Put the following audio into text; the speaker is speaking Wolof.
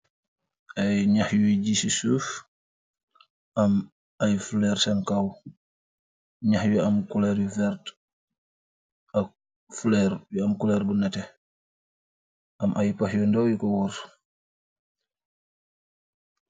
Ay ñax yuy ji ci suuf, am ay flair sankow, nax u am kulaeryu vert, ak fleir yu am culeir bu nate, am ay pax yu ndaw yu ko wor.